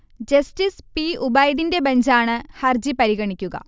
Justice P. ഉബൈദിന്റെ ബഞ്ചാണ് ഹർജി പരിഗണിക്കുക